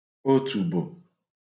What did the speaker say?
otùbò